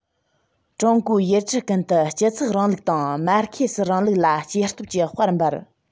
ཀྲུང གོའི ཡུལ གྲུ ཀུན ཏུ སྤྱི ཚོགས རིང ལུགས དང མར ཁེ སིའི རིང ལུགས ལ སྐྱེ སྟོབས ཀྱི དཔལ འབར